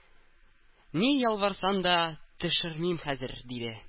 Ни ялварсаң да төшермим хәзер! — диде.